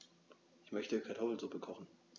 Ich möchte Kartoffelsuppe kochen.